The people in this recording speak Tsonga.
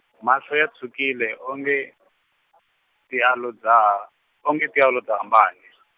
mahlo ya tshwukile o nge, ti a lo dzaha, onge ti a lo dzaha mbangi .